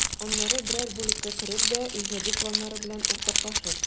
Аннары берәр бүлеккә керер дә иҗади планнары белән уртаклашыр.